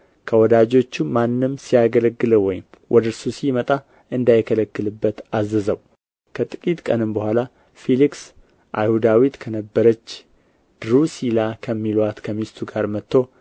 ከወዳጆቹም ማንም ሲያገለግለው ወይም ወደ እርሱ ሲመጣ እንዳይከለክልበት አዘዘው ከጥቂት ቀንም በኋላ ፊልክስ አይሁዳዊት ከነበረች ድሩሲላ ከሚሉአት ከሚስቱ ጋር መጥቶ